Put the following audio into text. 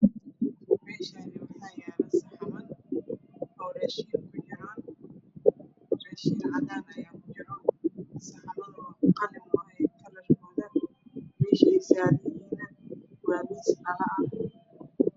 Meeshaan waxaa yaalo saxaman oo raashin kujiraan. Raashin cadaan ah saxamadu waa qalin meesha ay saaran yihiin waa miis dholo ah.